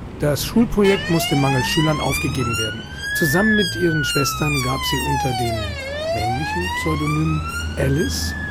Das Schulprojekt musste mangels Schülern aufgegeben werden. Zusammen mit ihren Schwestern gab sie unter den (männlichen) Pseudonymen Ellis